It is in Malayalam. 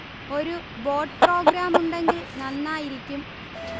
ഒരു ബോട്ട് പ്രോഗ്രാമുണ്ടെങ്കിൽ നന്നായിരിക്കും